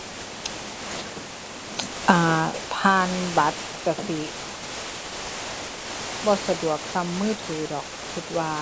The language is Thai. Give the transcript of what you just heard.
อ่า ผ่านบัตรก็สิ บ่สะดวกส่ำมือถือดอกก็ว่า